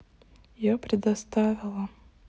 я предоставила